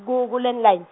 ku- ku- landline.